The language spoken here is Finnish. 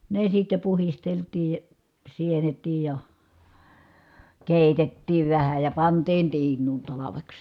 ne sitten puhdisteltiin sienetkin ja keitettiin vähän ja pantiin tiinuun talveksi